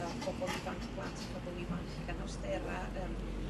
y bobol ifanc plant a phobol ifanc ag anawstera yym